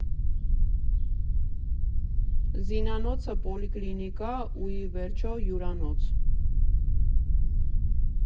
Զինանոցը՝ պոլիկլինիկա, ու, ի վերջո, հյուրանոց։